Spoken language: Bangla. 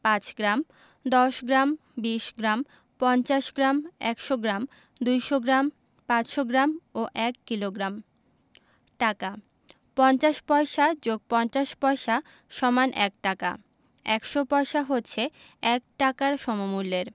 ৫ গ্রাম ১০গ্ৰাম ২০ gram ৫০ gram ১০০ gram ২০০ gram ৫০০ gram ও ১ কিলোগ্রাম টাকাঃ ৫০ পয়সা + ৫০ পয়স = ১ টাকা ১০০ পয়সা হচ্ছে ১ টাকার সমমূল্যের